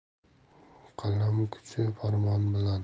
qalam kuchi farmon bilan